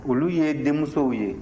olu ye denmusow ye